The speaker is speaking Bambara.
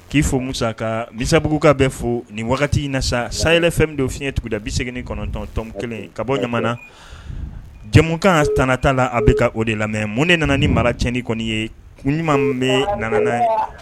K'i fɔ musa ka misabugu ka bɛɛ fo ni wagati in na sa sahel FM fɛn don fiɲɛ tuguda 89 tɔmi kelen ka bɔ ɲamana jamukan tana t'a la, a bɛka o de lamɛn mun de nana ni mara tiɲɛni kɔni ye kun jumɛn bɛ nana n'a ye.